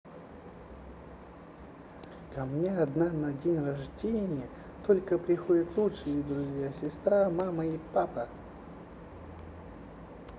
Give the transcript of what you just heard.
ко мне одна на день рождения только приходят лучшие друзья сестра и мама с папой